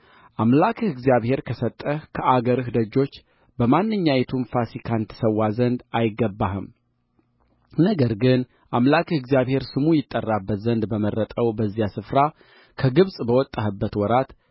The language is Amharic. አምላክህ እግዚአብሔር ከሰጠህ ከአገርህ ደጆች በማንኛይቱም ፋሲካን ትሠዋ ዘንድ አይገባህም ነገር ግን አምላክህ እግዚአብሔር ስሙ ይጠራበት ዘንድ በመረጠው በዚያ ስፍራ ከግብፅ በወጣህበት ወራት